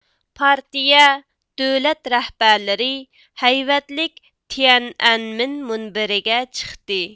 پارتىيە دۆلەت رەھبەرلىرى ھەيۋەتلىك تىيەنئەنمېن مۇنبىرىگە چىقتى